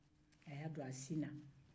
a y'a don a sin na